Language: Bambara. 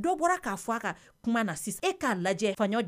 Dɔw bɔra k'a fɔ a ka kuma sisana lajɛ